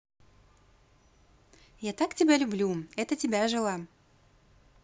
я так тебя люблю это тебя жила